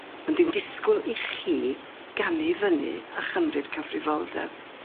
Ond dwi'n disgwl i chi gamu fyny a chymryd cyfrifoldeb.